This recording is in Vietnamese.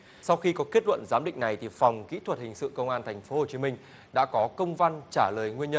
sau khi có kết luận giám định này thì phòng kỹ thuật hình sự công an thành phố hồ chí minh đã có công văn trả lời nguyên nhân